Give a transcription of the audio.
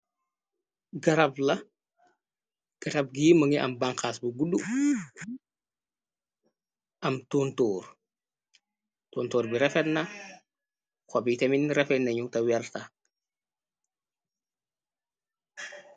Garab la garab gi mëngi am banxaas bu guddu am toontoor tontoor bi refetna xob yi temin refe nañu te werta.